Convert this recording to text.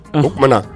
Munumana